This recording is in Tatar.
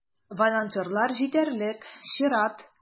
Волонтерлар җитәрлек - чират.